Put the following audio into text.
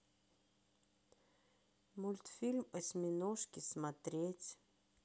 мультфильм осьминожки смотреть